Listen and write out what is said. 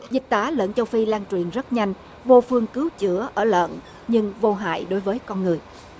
dịch tả lợn châu phi lan truyền rất nhanh vô phương cứu chữa ở lợn nhưng vô hại đối với con người